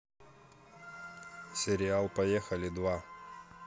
сериал поехали два